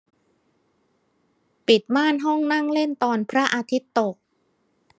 ปิดม่านห้องนั่งเล่นตอนพระอาทิตย์ตก